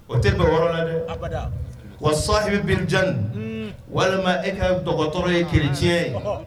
O te bɛ yɔrɔ la dɛ, abada, wa sahilibijan, anhan, walima e ka dɔgɔtɔrɔ ye chrétien ye